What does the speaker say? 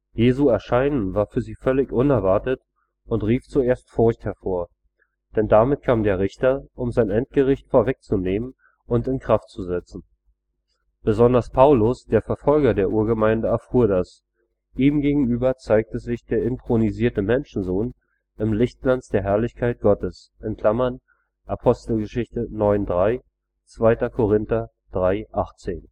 Jesu Erscheinen war für sie völlig unerwartet und rief zuerst Furcht hervor: Denn damit kam der Richter, um sein Endgericht vorwegzunehmen und in Kraft zu setzen. Besonders Paulus, der Verfolger der Urgemeinde, erfuhr das: Ihm gegenüber zeigte sich der inthronisierte „ Menschensohn “im Lichtglanz der Herrlichkeit Gottes (Apg 9,3; 2 Kor 3, 18